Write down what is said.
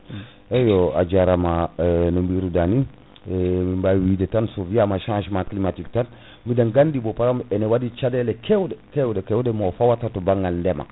eyyi a jarama eno biruɗani min bawi wide tan so wiyama changement climatique tan biɗen gandi bo * ene waɗi caɗele kewɗe kewɗe kewɗe kewɗe mo fawata to banggal ndeema